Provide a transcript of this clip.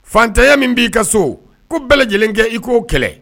Fantanya min b'i ka so ko bɛɛ lajɛlen kɛ i k'o kɛlɛ.